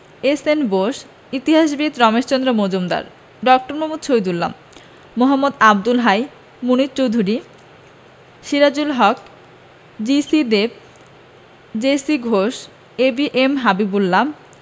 S N Bose ইতিহাসবিদ রমেশচন্দ্র মজুমদার ড. মুহাম্মদ শহীদুল্লাহ মোঃ Abdul Hai Munier Chowdhury Sirajul Haq G C Dev J C Ghosh A B M Habibullah